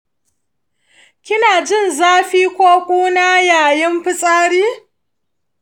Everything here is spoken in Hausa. kana jin zafi ko ƙuna yayin fitsari?